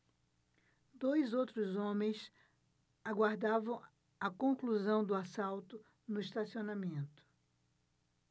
dois outros homens aguardavam a conclusão do assalto no estacionamento